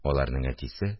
Аларның әтисе